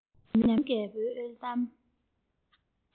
ཉམས མྱོང རྒན པོའི འབེལ གཏམ